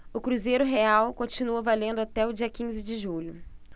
o cruzeiro real continua valendo até o dia quinze de julho